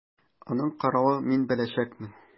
Аның каравы, мин беләчәкмен!